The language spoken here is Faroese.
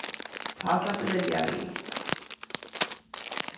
tá sleppur lilja við